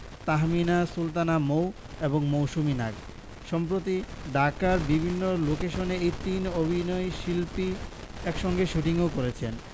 তাহমিনা সুলতানা মৌ ও মৌসুমী নাগ সম্প্রতি ঢাকার বিভিন্ন লোকেশনে এ তিন অভিনয়শিল্পী একসঙ্গে শুটিংও করেছেন